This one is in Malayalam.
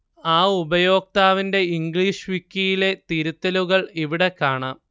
ആ ഉപയോക്താവിന്റെ ഇംഗ്ലീഷ് വിക്കിയിലെ തിരുത്തലുകൾ ഇവിടെ കാണാം